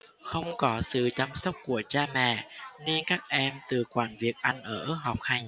không có sự chăm sóc của cha mẹ nên các em tự quản việc ăn ở học hành